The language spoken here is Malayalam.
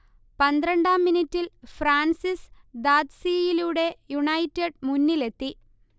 പന്ത്രണ്ടാം മിനിറ്റിൽ ഫ്രാൻസിസ് ദാദ്സീയിലൂടെ യുണൈറ്റഡ് മുന്നിലെത്തി